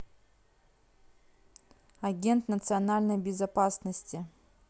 агент национальной безопасности